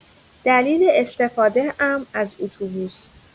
دلیل استفاده‌ام از اتوبوس